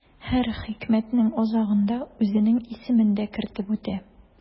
Һәр хикмәтнең азагында үзенең исемен дә кертеп үтә.